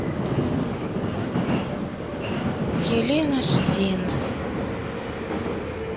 елена штин